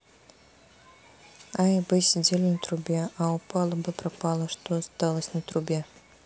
а и б сидели на трубе а упала б пропала что осталось на трубе